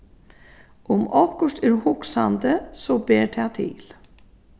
um okkurt er hugsandi so ber tað til